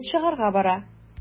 Инде чыгарга бара.